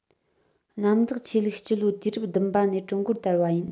གནམ བདག ཆོས ལུགས སྤྱི ལོ དུས རབས བདུན པ ནས ཀྲུང གོར དར བ ཡིན